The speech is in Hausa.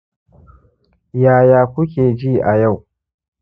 yaya kuke ji a yau